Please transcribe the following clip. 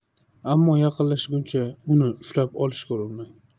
ammo yaqinlashguncha uni ushlab olishga urinmang